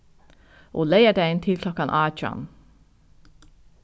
og leygardagin til klokkan átjan